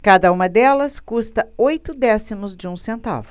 cada uma delas custa oito décimos de um centavo